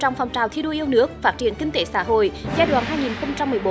trong phong trào thi đua yêu nước phát triển kinh tế xã hội giai đoạn hai nghìn không trăm mười